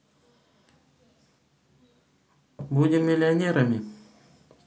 будем миллионерами